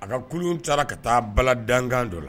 A ka kulu taara ka taa bala dankan dɔ la